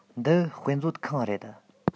འདི དཔེ མཛོད ཁང རེད